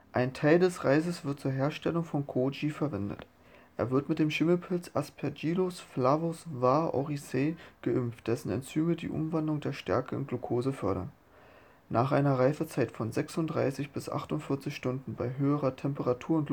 Ein Teil des Reises wird zur Herstellung von Kōji verwendet. Er wird mit dem Schimmelpilz Aspergillus flavus var. oryzae geimpft, dessen Enzyme die Umwandlung der Stärke in Glukose fördern. Nach einer Reifezeit von 36 bis 48 Stunden bei höherer Temperatur